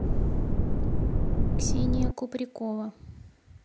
ксения куприкова